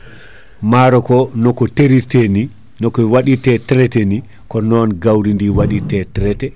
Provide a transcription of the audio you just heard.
maaroko noko traité ritteni noko waɗirte traité ni ko non gawri ndi waɗirte traité